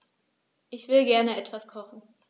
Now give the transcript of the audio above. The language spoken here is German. Ich will gerne etwas kochen.